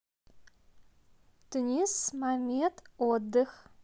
тунис мамед отдых